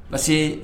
Parce